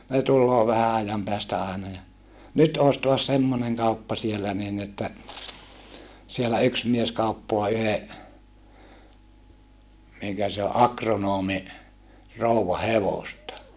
ne tulee vähän ajan päästä aina ja nyt olisi taas semmoinen kauppa siellä niin että siellä yksi mies kauppaa yhden minkä se on agronomin rouvan hevosta